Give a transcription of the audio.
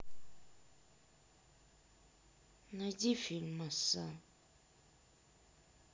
найди фильм асса